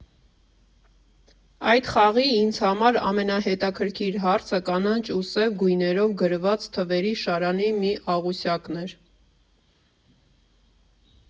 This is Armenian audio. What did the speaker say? Այդ խաղի ինձ համար ամենահետաքրքիր հարցը կանաչ ու սև գույներով գրված թվերի շարանի մի աղյուսակն էր։